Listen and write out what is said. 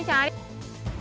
trái